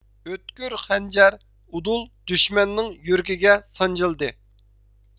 ئۆتكۈر خەنجەر ئۇدۇل دۈشمەننىڭ يۈرىكىگە سانجىلدى